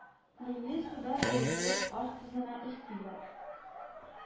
Лийны суда эретеп аш тозына өстиләр